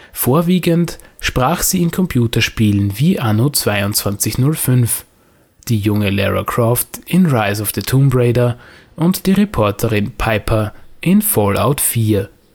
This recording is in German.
Vorwiegend sprach sie in Computerspielen wie Anno 2205, die junge Lara Croft in Rise of the Tomb Raider und die Reporterin Piper in Fallout 4.